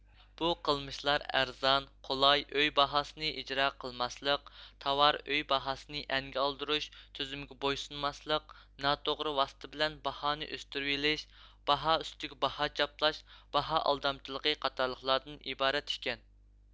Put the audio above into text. بۇ قىلمىشلار ئەرزان قولاي ئۆي باھاسىنى ئىجرا قىلماسلىق تاۋار ئۆي باھاسىنى ئەنگە ئالدۇرۇش تۈزۈمىگە بويسۇنماسلىق ناتوغرا ۋاسىتە بىلەن باھانى ئۆستۈرىۋېلىش باھائۈستىگە باھا چاپلاش باھا ئالدامچىلىقى قاتارلىقلاردىن ئىبارەت ئىكەن